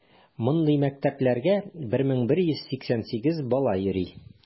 Мондый мәктәпләргә 1188 бала йөри.